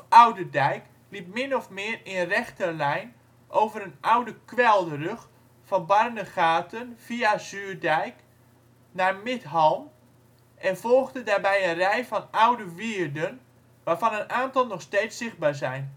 Oude Dijk liep min of meer in rechte lijn over een oude kwelderrug van Barnegaten via Zuurdijk naar Midhalm (Midhallum) en volgde daarbij een rij van oude wierden, waarvan een aantal nog steeds zichtbaar zijn